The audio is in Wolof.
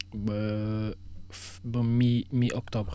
ba su ba mi mi octobre